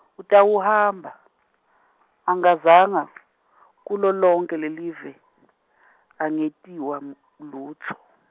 Utawuhamba, ajangaza kulo lonkhe lelive angentiwa m- lutfo.